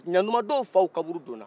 ɲatuman dɔw faw kaburu donna